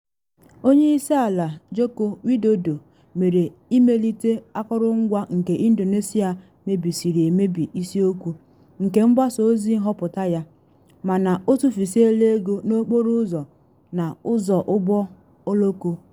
Onye isi ala Joko Widodo mere imelite akụrụngwa nke Indonesia mebisiri emebi isiokwu nke mgbasa ozi nhọpụta ya, mana o tufusiela ego n’okporo ụzọ na ụzọ ụgbọ oloko.